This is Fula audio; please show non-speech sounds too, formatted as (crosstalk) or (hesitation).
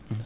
(hesitation) (hesitation)